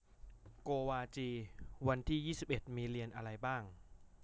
โกวาจีวันจันทร์ที่ยี่สิบเอ็ดมีเรียนอะไรบ้าง